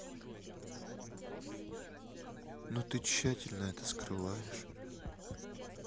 но ты тщательно это скрываешь